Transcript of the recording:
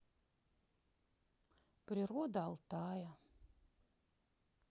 природа алтая